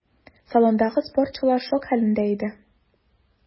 Салондагы спортчылар шок хәлендә иде.